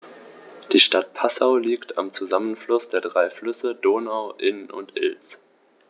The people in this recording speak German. Die Stadt Passau liegt am Zusammenfluss der drei Flüsse Donau, Inn und Ilz.